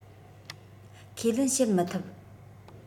ཁས ལེན བྱེད མི ཐུབ